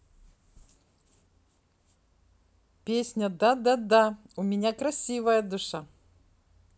песня да да да у меня красивая душа